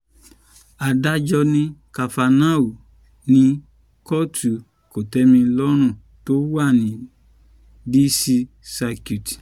Adájọ́ ni Kavanaugh ní Kọ́ọ̀tù Kòtẹ́milọ́rùn tó wà ní D.C. Circuit.